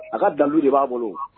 A ka dan de b'a bolo